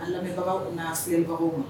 A lamɛn kun'a sebaga kun